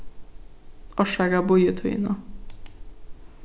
orsaka bíðitíðina